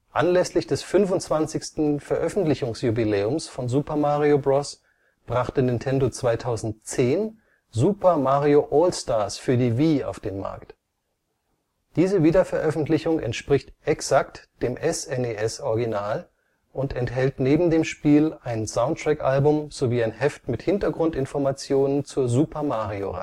Anlässlich des 25. Veröffentlichungsjubiläums von Super Mario Bros. brachte Nintendo 2010 Super Mario All-Stars für die Wii auf den Markt. Diese Wiederveröffentlichung entspricht exakt dem SNES-Original und enthält neben dem Spiel ein Soundtrack-Album sowie ein Heft mit Hintergrundinformationen zur Super-Mario-Reihe